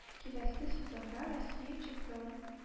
Киләсе сезонда россия чемпион